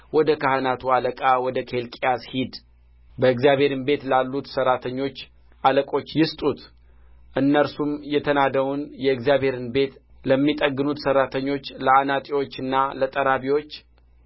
ወደ ካህናቱ አለቃ ወደ ኬልቅያስ ሂድ በእግዚአብሔርም ቤት ላሉት ሠራተኞች አለቆች ይስጡት እነርሱም የተናደውን የእግዚአብሔርን ቤት ለሚጠግኑት ሠራተኞች ለአናጢዎችና ለጠራቢዎች